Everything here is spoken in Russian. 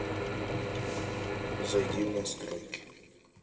зайди в настройки